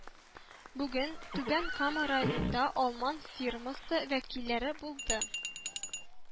Бүген Түбән Кама районында алман фирмасы вәкилләре булды